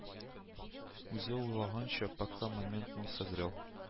Үзе уйлаганча, пока момент не созрел